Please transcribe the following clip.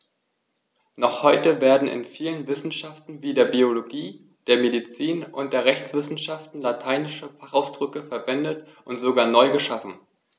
Noch heute werden in vielen Wissenschaften wie der Biologie, der Medizin und der Rechtswissenschaft lateinische Fachausdrücke verwendet und sogar neu geschaffen.